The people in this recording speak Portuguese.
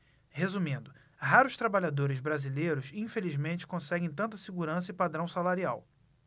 resumindo raros trabalhadores brasileiros infelizmente conseguem tanta segurança e padrão salarial